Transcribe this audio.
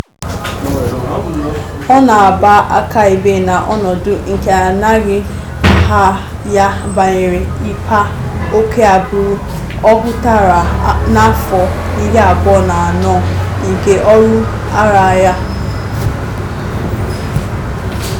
Ọ na-agba akaebe na ọnọdụ nke amaghị aha ya banyere ịkpa oke agbụrụ ọ hụtara n'afọ 24 nke ọrụ agha ya: